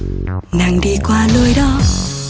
nàng đi qua lối đó